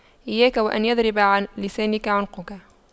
إياك وأن يضرب لسانك عنقك